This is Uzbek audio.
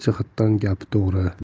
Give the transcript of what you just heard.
jihatdan gapi to'g'ri